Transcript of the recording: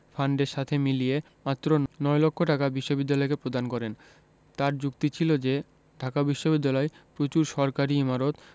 ফান্ডের সাথে মিলিয়ে মাত্র নয় লক্ষ টাকা বিশ্ববিদ্যালয়কে প্রদান করেন তাঁর যুক্তি ছিল যে ঢাকা বিশ্ববিদ্যালয় প্রচুর সরকারি ইমারত